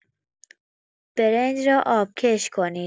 برنج را آبکش کنید.